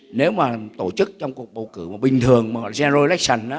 nếu mà tổ chức trong cuộc bầu cử mà bình thường mà den lô đếch sừn đó